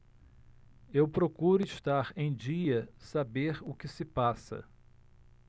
eu procuro estar em dia saber o que se passa